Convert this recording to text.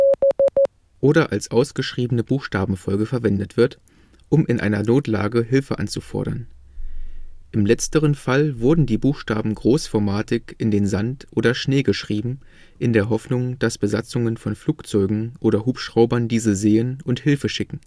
· oder als ausgeschriebene Buchstabenfolge verwendet wird, um in einer Notlage Hilfe anzufordern. Im letzteren Fall wurden die Buchstaben großformatig in den Sand oder Schnee geschrieben, in der Hoffnung, dass Besatzungen von Flugzeugen oder Hubschraubern diese sehen und Hilfe schicken